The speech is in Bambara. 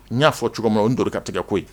N y'a fɔ cogo ma n don ka tigɛ ko ye